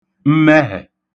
mmẹhẹ̀